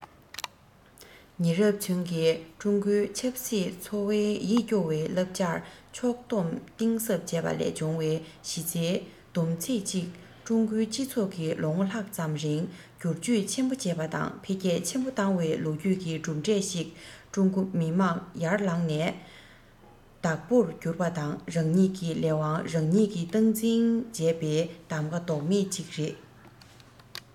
ཉེ རབས ཚུན གྱི ཀྲུང གོའི ཆབ སྲིད འཚོ བའི ཡིད སྐྱོ བའི བསླབ བྱར ཕྱོགས སྡོམ གཏིང ཟབ བྱས པ ལས བྱུང བའི གཞི རྩའི བསྡོམས ཚིག ཅིག ཀྲུང གོའི སྤྱི ཚོགས ཀྱིས ལོ ངོ ལྷག ཙམ རིང སྒྱུར བཅོས ཆེན པོ བྱས པ དང འཕེལ རྒྱས ཆེན པོ བཏང བའི ལོ རྒྱུས ཀྱི གྲུབ འབྲས ཤིག ཀྲུང གོ མི དམངས ཡར ལངས ནས བདག པོར གྱུར པ དང རང ཉིད ཀྱི ལས དབང རང ཉིད ཀྱིས སྟངས འཛིན བྱས པའི གདམ ག ལྡོག མེད ཅིག རེད